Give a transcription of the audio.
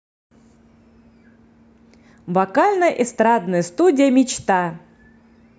вокально эстрадная студия мечта